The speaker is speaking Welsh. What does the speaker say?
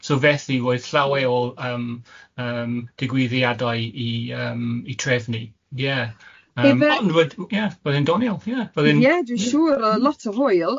So felly roedd llawer o yym yym digwyddiadau i yym i trefnu ie... Ife. ...yym ond wed- ie oedd e'n doniol ie oedd e'n... Ie dwi'n siŵr oedd lot o hwyl.